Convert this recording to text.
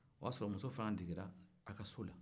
o b'a sɔrɔ muso fana degera aw ka so la